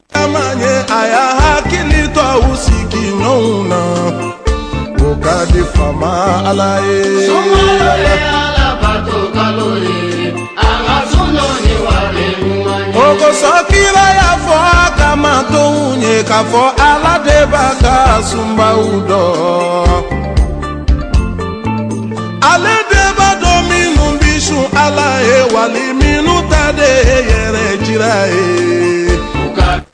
Kamalen ɲɛ a y'a hakili tɔw u sigi joona na ko kadi faama alala ye mɔ ye ala ye a ka sun ye wa mɔgɔgo sabaji y'a fɔ ka madenw ye k'a fɔ ala denba ka sunbaw dɔn ale denbato min mun bɛ sun a ye wali minnu ta de ye yɛrɛ jira ye